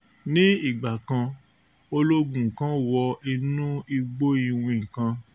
Ní ìgbà kan, ológun kan wọ inú igbó iwin kan.